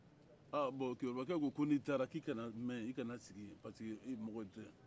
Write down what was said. aaa bɔn keyorobakaw ko n'i taara k'i kana mɛn yen i kana sigi yen